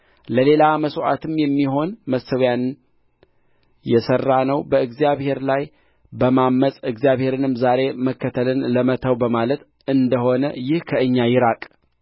ለሌላ መሥዋዕትም የሚሆን መሠዊያን የሠራነው በእግዚአብሔር ላይ በማመፅ እግዚአብሔርንም ዛሬ መከተልን ለመተው በማለት እንደ ሆነ ይህ ከእኛ ይራቅ